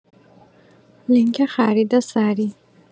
لینک خرید سریع